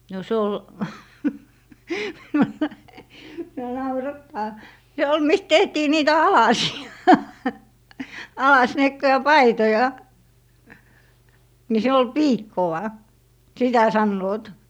no se oli minua naurattaa se oli mistä tehtiin niitä alasia alasniekkoja paitoja niin siinä oli piikkoa sitä sanovat